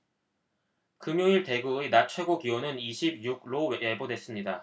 금요일 대구의 낮 최고기온은 이십 육 로 예보됐습니다